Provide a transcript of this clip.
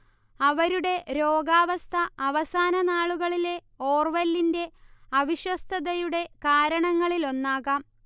അവരുടെ രോഗാവസ്ഥ അവസാന നാളുകളിലെ ഓർവെലിന്റെ അവിശ്വസ്തതയുടെ കാരണങ്ങളിലൊന്നാകാം